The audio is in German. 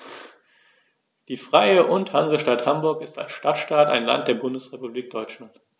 Die Freie und Hansestadt Hamburg ist als Stadtstaat ein Land der Bundesrepublik Deutschland.